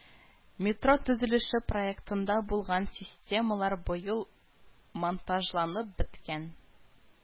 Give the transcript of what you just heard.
Метро төзелеше проектында булган системалар быел монтажланып беткән